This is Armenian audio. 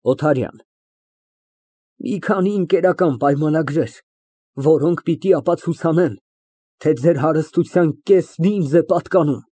ՕԹԱՐՅԱՆ ֊ Մի քանի ընկերական պայմանագրեր, որոնք պիտի ապացուցեն, թե ձեր հարստության կեսն ինձ է պատկանում։